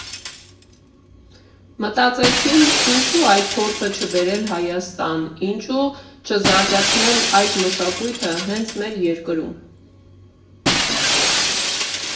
Մտածեցին՝ ինչո՞ւ այդ փորձը չբերել Հայաստան, ինչո՞ւ չզարգացնել այդ մշակույթը հենց մե՛ր երկրում։